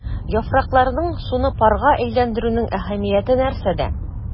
Яфракларның суны парга әйләндерүнең әһәмияте нәрсәдә?